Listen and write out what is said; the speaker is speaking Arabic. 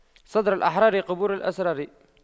صدور الأحرار قبور الأسرار